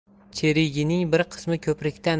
cherigining bir qismi ko'prikdan